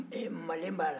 male b'a la